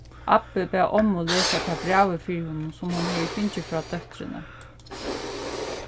abbi bað ommu lesa tað brævið fyri honum sum hon hevði fingið frá dóttrini